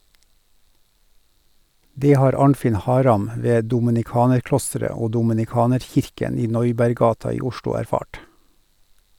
Det har Arnfinn Haram ved dominikanerklosteret og dominikanerkirken i Neuberggata i Oslo erfart.